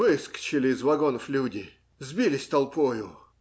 Выскочили из вагонов люди, сбились толпою.